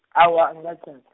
awa angikatjhadzi.